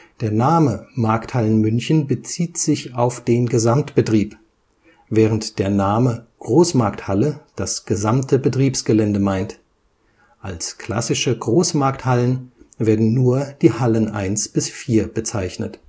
Der Name Markthallen München bezieht sich auf den Gesamtbetrieb, während der Name Großmarkthalle das gesamte Betriebsgelände meint. Als klassische Großmarkthallen werden nur die Hallen 1 bis 4 bezeichnet